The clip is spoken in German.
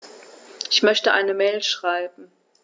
Ich möchte eine Mail schreiben.